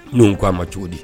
' ko a ma cogo di